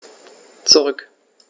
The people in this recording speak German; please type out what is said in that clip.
Zurück.